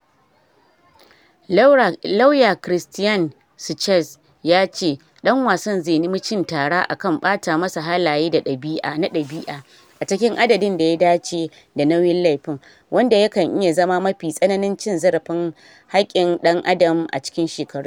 Lawyer Christian Schertz ya ce dan wasan zai nemi cin tara akan “ɓata masa halaye na dabi'a, a cikin adadin da ya dace da nauyin laifin, wanda yakan iya zama mafi tsananin cin zarafin haƙin ɗan adam a cikin shekarun nan.”